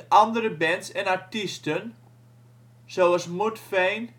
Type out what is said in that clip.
andere bands en artiesten, zoals Mudvayne